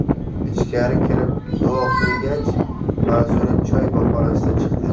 ichkari kirib duo qilingach manzura choy bahonasida chiqdi